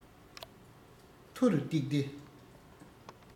མཐོ རུ བཏེགས ཏེ